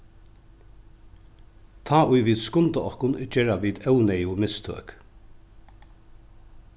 tá ið vit skunda okkum gera vit óneyðug mistøk